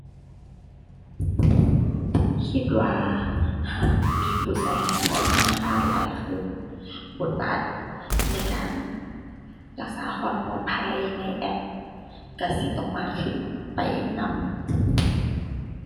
คิดว่าหากมีผู้ใช้งานแอปธนาคารหลายขึ้น บทบาทในการรักษาความปลอดภัยในแอปใช้สิต้องมากขึ้นไปนำ